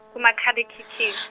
kumakhal' ekhikhini.